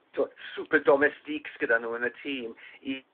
t'wo' super domestiques gyda n'w yn y tîm i